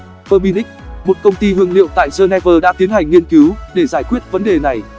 firmenich một công ty hương liệu tại geneva đã tiến hành nghiên cứu để giải quyết vấn đề này